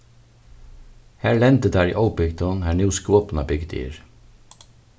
har lendu teir í óbygdum har nú skopunarbygd er